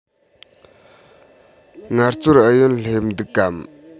ངལ རྩོལ ཨུ ཡོན སླེབས འདུག གམ